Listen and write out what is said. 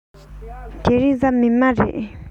དེ རིང གཟའ མིག དམར རེད